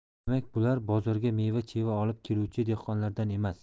demak bular bozorga meva cheva olib keluvchi dehqonlardan emas